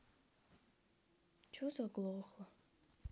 че заглохло